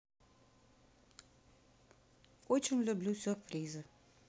очень люблю сюрпризы